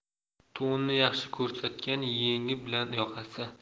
to'nni yaxshi ko'rsatgan yengi bilan yoqasi